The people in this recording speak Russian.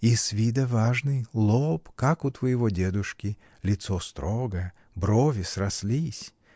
И с вида важный; лоб как у твоего дедушки, лицо строгое, брови срослись.